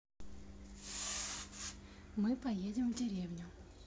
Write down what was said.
мы поедем в деревню